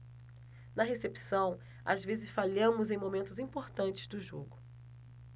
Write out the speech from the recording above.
na recepção às vezes falhamos em momentos importantes do jogo